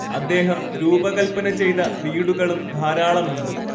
അദ്ദേഹം രൂപകല്പന ചെയ്ത വീടുകളും ധാരാളമുണ്ട്